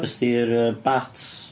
Es ti i'r, yy, bats?